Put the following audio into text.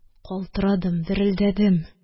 Калтырадым, дерелдәдем..